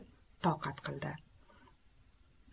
toqat qildi